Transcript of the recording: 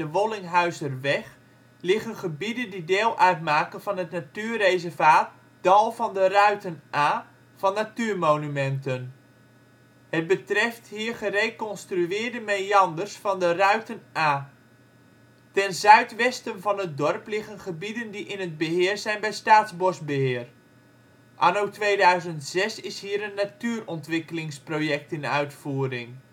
Wollinghuizerweg liggen gebieden die deel uitmaken van de natuurreservaat Dal van de Ruiten A van Natuurmonumenten. Het betreft hier gereconstrueerde meanders van de Ruiten-Aa. Ten zuidwesten van het dorp liggen gebieden die in het beheer zijn bij Staatsbosbeheer. Anno 2006 is hier een natuurontwikkelingsproject in uitvoering